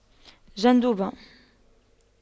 جندوبة